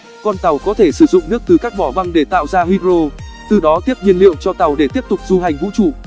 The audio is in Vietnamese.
con tàu có thể sử dụng nước từ các mỏ bang để tạo ra hydro từ đó tiếp nhiên liệu cho tàu để tiếp tục du hành vũ trụ